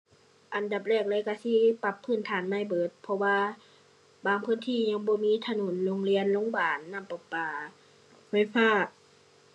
อันดับแรกเลยก็สิปรับพื้นฐานใหม่เบิด เพราะว่าบางพื้นที่ยังบ่มี ถนน โรงเรียน โรงบาล น้ำประปา ไฟฟ้า